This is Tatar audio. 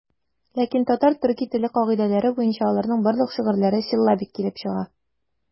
Ләкин татар-төрки теле кагыйдәләре буенча аларның барлык шигырьләре силлабик килеп чыга.